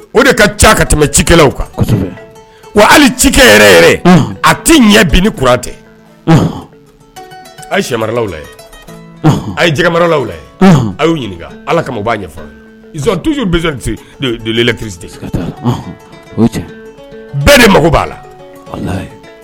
O de ka ca ka tɛmɛ cikɛlawlaw kan wa hali cikɛ yɛrɛ yɛrɛ a tɛ ɲɛ bin nitɛ a ye sɛmaralawla a ye jɛgɛmaralawla a y' ɲininka ala kama o b'a tusulɛ kite bɛɛ de mako b'a la